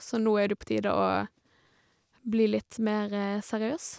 Så nå er det jo på tide å bli litt mere seriøs.